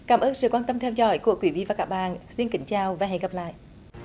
cảm ơn sự quan tâm theo dõi của quý vị và các bạn xin kính chào và hẹn gặp lại